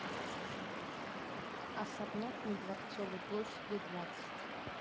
особняк на дворцовой площади двадцать